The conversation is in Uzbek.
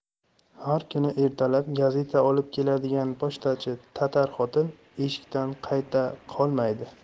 har kuni ertalab gazeta olib keladigan pochtachi tatar xotin eshikdan qayta qolmaydi